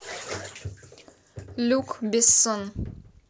люк бессон